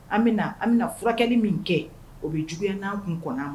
An bɛ na , an bɛ na furakɛkɛli min kɛ o bɛ juguya nan kun kɔnɔ ma.